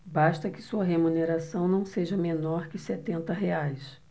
basta que sua remuneração não seja menor que setenta reais